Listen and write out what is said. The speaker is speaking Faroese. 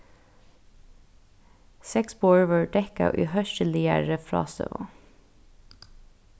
seks borð vóru dekkað í hóskiligari frástøðu